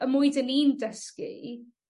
y mwy 'dyn ni'n dysgu